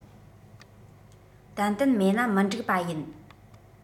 ཏན ཏན མེད ན མི འགྲིག པ ཡིན